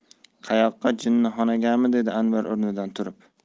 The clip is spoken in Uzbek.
qayoqqa jinnixonagami dedi anvar o'rnidan turib